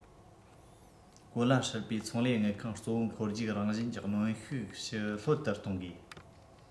གོ ལ ཧྲིལ པོའི ཚོང ལས དངུལ ཁང གཙོ བོ འཁོར རྒྱུག རང བཞིན གྱི གནོན ཤུགས ཞི ལྷོད དུ གཏོང དགོས